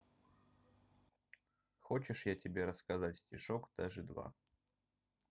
хочешь я тебе рассказать стишок даже два